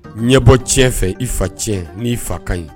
Ɲɛbɔ cɛ fɛ i facɛn n'i fa ka ɲi